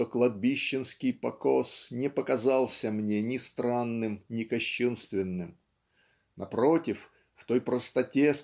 что кладбищенский покос не показался мне ни странным ни кощунственным. Напротив в той простоте